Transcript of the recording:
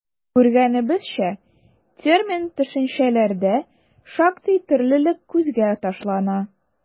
Күргәнебезчә, термин-төшенчәләрдә шактый төрлелек күзгә ташлана.